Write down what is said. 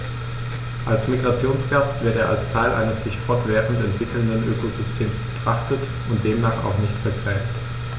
Als Migrationsgast wird er als Teil eines sich fortwährend entwickelnden Ökosystems betrachtet und demnach auch nicht vergrämt.